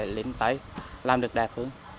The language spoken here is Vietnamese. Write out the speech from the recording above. lên tay làm đươch đẹp hơn